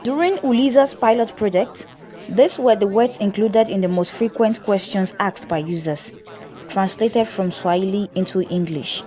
During Uliza's pilot project, these were the words included in the most frequent questions asked by users (translated from Swahili into English).